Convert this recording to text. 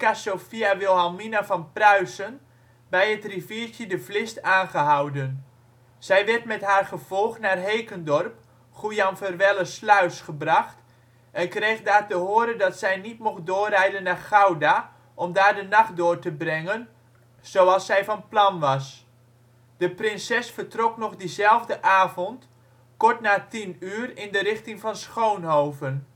Wilhelmina van Pruisen bij het riviertje de Vlist aangehouden. Zij werd met haar gevolg naar Hekendorp (Goejanverwellesluis) gebracht en kreeg daar te horen dat zij niet mocht doorrijden naar Gouda om daar de nacht door te brengen zoals zij van plan was. De prinses vertrok nog diezelfde avond kort na tien uur in de richting van Schoonhoven